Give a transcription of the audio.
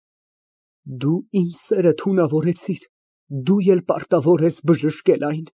Դու իմ սերը թունավորեցիր, դու էլ պարտավոր ես բժշկել այն։